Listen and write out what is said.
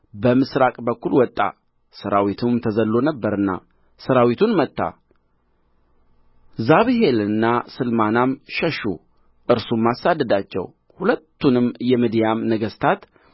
በምሥራቅ በኩል ወጣ ሠራዊቱም ተዘልሎ ነበርና ሠራዊቱን መታ ዛብሄልና ስልማናም ሸሹ እርሱም አሳደዳቸው ሁለቱንም የምድያም ነገሥታት